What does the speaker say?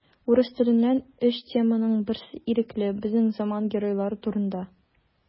Урыс теленнән өч теманың берсе ирекле: безнең заман геройлары турында.